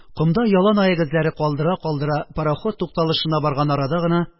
Комда яланаяк эзләре калдыра-калдыра пароход тукталышына барган арада гына